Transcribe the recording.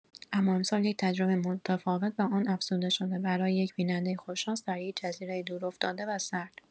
اما امسال یک تجربه متفاوت به آن افزوده‌شده، برای یک بیننده خوش‌شانس در یک جزیره دورافتاده و سرد.